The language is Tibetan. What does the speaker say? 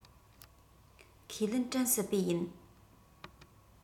ཁས ལེན དྲན སྲིད པས ཡིན